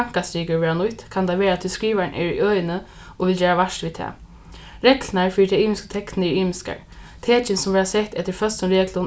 tankastrikur verða nýtt kann tað vera tí skrivarin er í øðini og vil gera vart við tað reglurnar fyri tey ymisku teknini eru ymiskar tekin sum verða sett eftir føstum reglum